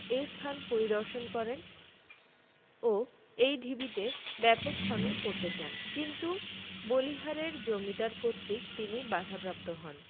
এ স্থান পরিদর্শন করেন ও এই ঢিবিতে ব্যাপক খনন করতে চান কিন্তু বলিহারের জমিদার কর্তৃক তিনি বাধাপ্রাপ্ত হন